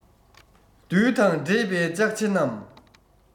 རྡུལ དང འདྲེས པའི ལྕགས ཕྱེ རྣམས